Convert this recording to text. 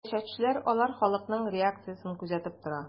Сәясәтчеләр алар халыкның реакциясен күзәтеп тора.